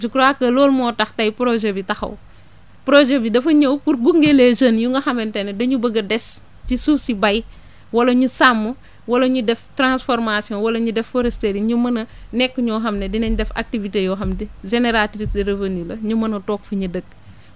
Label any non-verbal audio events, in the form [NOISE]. je crois que loolu moo tax tey projet bi taxaw projet bi dafa ñëw pour gunge les jeunes yu nga xamante ne dañu bëgg a des ci suuf si béy wala ñu sàmm wala ñu def transformation wala ñu def foresterie ñu mën a nekk ñoo xam ne dinañ def activité yoo xam [NOISE] di génératrices de revenus la ñu mën a toog fi ñu dëkk